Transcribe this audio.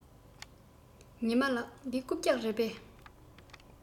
ཉི མ ལགས འདི རྐུབ བཀྱག རེད པས